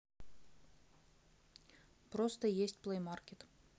просто есть play market